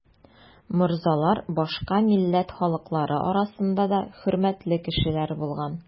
Морзалар башка милләт халыклары арасында да хөрмәтле кешеләр булган.